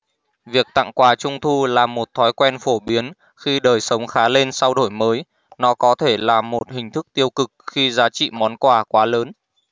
việc tặng quà trung thu là một thói quen phổ biến khi đời sống khá lên sau đổi mới nó có thể là một hình thức tiêu cực khi giá trị món quà quá lớn